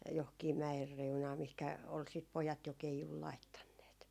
johonkin mäen reunaan mihinkä oli sitten pojat jo keijun laittaneet